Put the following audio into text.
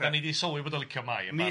'Dan ni 'di sylwi bod o'n licio Mai yn barod.